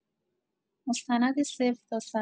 مستند صفر تا صد